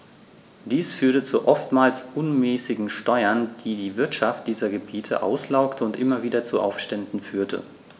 Dies führte zu oftmals unmäßigen Steuern, die die Wirtschaft dieser Gebiete auslaugte und immer wieder zu Aufständen führte.